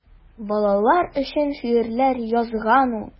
Балалар өчен шигырьләр язган ул.